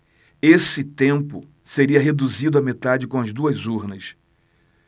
esse tempo seria reduzido à metade com as duas urnas